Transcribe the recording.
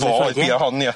Fo oedd bia hon ia.